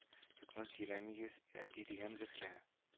Юкны сөйләмибез әти дигән зөһрә